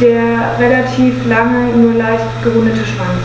der relativ lange, nur leicht gerundete Schwanz.